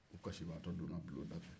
u kasi baatɔ donna bulon da fɛ